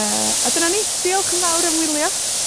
Yy, a dyna ni. Diolch yn fawr am wylio.